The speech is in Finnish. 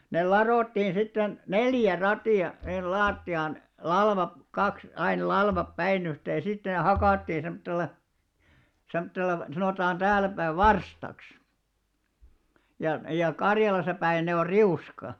ne ladottiin sitten neljä ratia sinne lattiaan - kaksi aina latvat päin yhteen ja sitten ne hakattiin semmoisella semmoisella sanotaan täälläpäin varstaksi ja ja Karjalassa päin ne on riuska